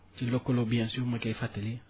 ci lëkkaloo bien sur ma koy fàttali